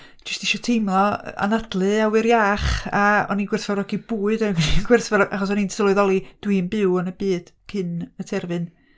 jyst isio teimlo, a- anadlu awyr iach. A, o'n i'n gwerthfawrogi bwyd gwerthfawro- achos o'n i'n sylweddoli, dwi'n byw yn y byd cyn y terfyn.